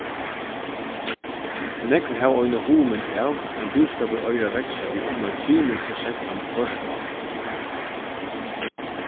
nógv hava eina hugmynd av at ein búskapur eigur at vaksa við umleið trimum prosentum hvørt ár